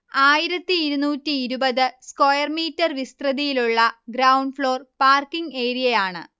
ആയിരത്തി ഇരുന്നൂറ്റി ഇരുപത് സ്ക്വയർ മീറ്റർ വിസ്തൃതിയിലുള്ള ഗ്രൗണ്ട് ഫ്ളോർ പാർക്കിങ് ഏരിയയാണ്